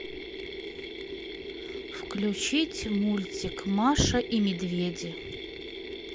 включить мультик маша и медведи